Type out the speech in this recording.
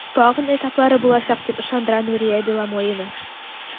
Тагын этаплары булачак, дип ышандыра Нурия Беломоина.